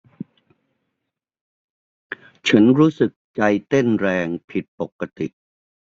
ฉันรู้สึกใจเต้นแรงผิดปกติ